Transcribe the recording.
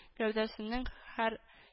Гәүдәсенең һәр